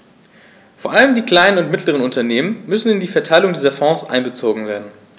Vor allem die kleinen und mittleren Unternehmer müssen in die Verteilung dieser Fonds einbezogen werden.